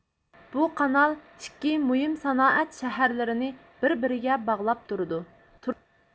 بۇ قانال ئىككى مۇھىم سانائەت شەھەرلىرىنى بىر بىرىگە باغلاپ تۇرىدۇ